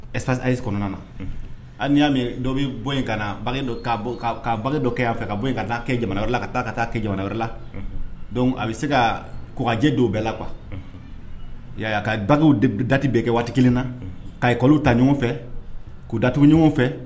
Ɛ ayi kɔnɔna na hali n'i y'a mɛn dɔ bɛ bɔ in ka na don ba dɔ kɛ a fɛ ka bɔ ka taa kɛ jamanayɔrɔ la ka taa ka taa kɛ jamanayɔrɔ la a bɛ se ka kojɛ dɔw bɛɛ la qu ya'a ka dagaw dati bɛ kɛ waati kelen na' kolow ta ɲɔgɔn fɛ k'u dat ɲɔgɔn fɛ